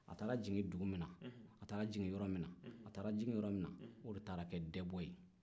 a taara jigi dugu min na a taara jigi yɔrɔ min na o de taara kɛ dɛbɔ ye